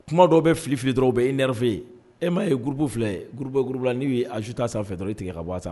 Kuma dɔw bɛ fili filili dɔrɔn bɛɛ e n fɛ ye e ma ye gbu fila ye gurububakuruurubula n'u ye aa suta san sanfɛ dɔrɔn i tigɛ ka bɔ san